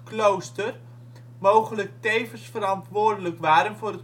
klooster mogelijk tevens verantwoordelijk waren voor